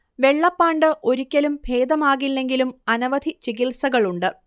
വെള്ളപ്പാണ്ട് ഒരിക്കലും ഭേദമാകില്ലെങ്കിലും അനവധി ചികിത്സകൾ ഉണ്ട്